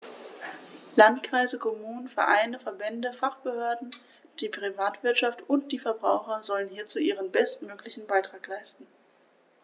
Landkreise, Kommunen, Vereine, Verbände, Fachbehörden, die Privatwirtschaft und die Verbraucher sollen hierzu ihren bestmöglichen Beitrag leisten.